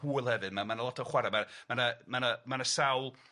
hwyl hefyd ma' ma' 'na lot o chware ma' ma' 'na ma' 'na ma' 'na sawl